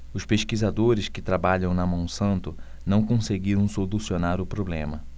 os pesquisadores que trabalham na monsanto não conseguiram solucionar o problema